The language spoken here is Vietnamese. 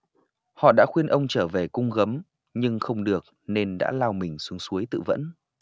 họ đã khuyên ông trở về cung gấm nhưng không được nên đã lao mình xuống suối tự vẫn